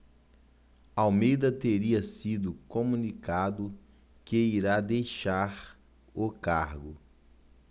almeida teria sido comunicado que irá deixar o cargo